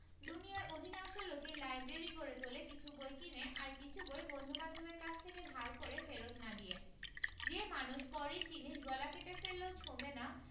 দুনিয়ার অধিকাংশ লোকই লাইব্রেরি গড়ে তোলে কিছু বই কিনে আর কিছু বই বন্ধুবান্ধবের কাছ থেকে ধার করে ফেরত্ না দিয়ে যে মানুষ পরের জিনিস গলা কেটে ফেললেও ছোঁবে না